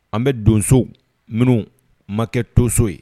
An bɛ donso minnu ma kɛ toso ye